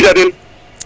a ɓisida den